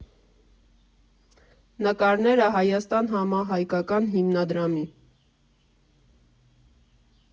Նկարները՝ «Հայաստան» համահայկական հիմնադրամի։